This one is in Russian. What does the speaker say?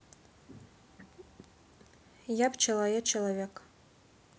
я пчела я человек